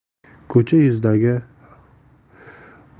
ko'cha yuzidagi oynavand